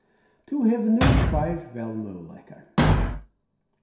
tú hevur nú tveir valmøguleikar